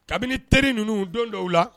Kabini teriri ninnu don dɔw la